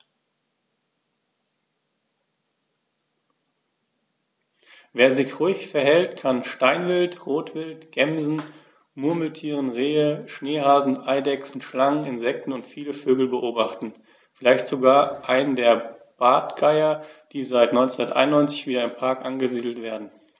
Wer sich ruhig verhält, kann Steinwild, Rotwild, Gämsen, Murmeltiere, Rehe, Schneehasen, Eidechsen, Schlangen, Insekten und viele Vögel beobachten, vielleicht sogar einen der Bartgeier, die seit 1991 wieder im Park angesiedelt werden.